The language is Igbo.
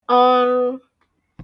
ọ̃rụ